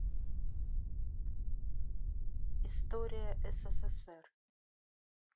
история ссср